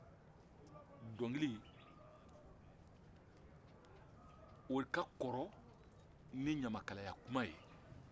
dɔnkili in o ka kɔrɔ ni ɲamakalaya kuman ye